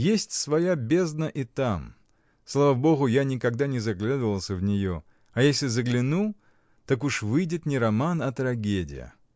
Есть своя бездна и там: слава Богу, я никогда не заглядывал в нее, а если загляну — так уж выйдет не роман, а трагедия.